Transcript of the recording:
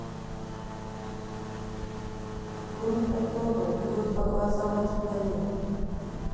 группа total бьет по глазам адреналин